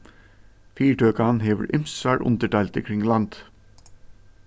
fyritøkan hevur ymsar undirdeildir kring landið